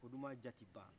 koduman diya tɛ ban